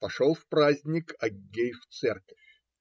Пошел в праздник Аггей в церковь.